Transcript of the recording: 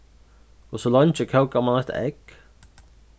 hvussu leingi kókar mann eitt egg